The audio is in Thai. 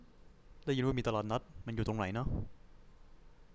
ได้ยินว่ามีตลาดนัดมันอยู่ตรงไหนนะ